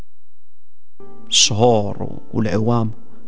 شهور واعوام